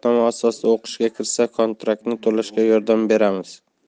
shartnoma asosida o'qishga kirsa kontraktini to'lashga yordam beramiz